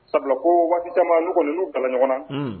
Sabula ko waati nu kɔni'u kalan ɲɔgɔn na